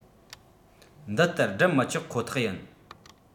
འདི ལྟར སྒྲུབ མི ཆོག ཁོ ཐག ཡིན